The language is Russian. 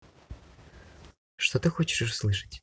что ты хочешь услышать